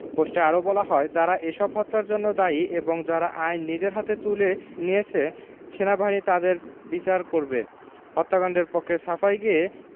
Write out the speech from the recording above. পোস্টে আরো বলা হয় যারা এসব হত্যার জন্য দায়ী এবং যারা আইন নিজের হাতে তুলে নিয়েছে সেনাবাহিনী তাদের বিচার করবে হত্যাকাণ্ডের পক্ষে সাফাই গেয়ে